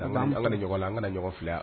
An ka mɛn ɲɔgɔn na an kana ɲɔgɔn fili